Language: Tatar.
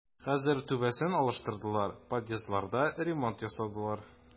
Хәзер түбәсен алыштырдылар, подъездларда ремонт ясадылар.